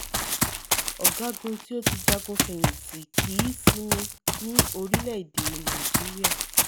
Ọ̀gágun tí ó ti jagun fẹ̀yìntì kì í sinmi ní orílẹ̀-èdè Nàìjíríà